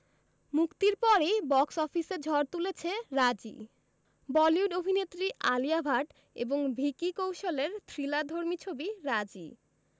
মুক্তির পরই বক্স অফিসে ঝড় তুলেছে রাজি বলিউড অভিনেত্রী আলিয়া ভাট এবং ভিকি কৌশলের থ্রিলারধর্মী ছবি রাজী